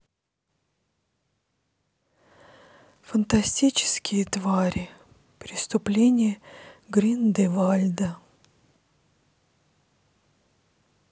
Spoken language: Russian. фантастические твари преступления гриндевальда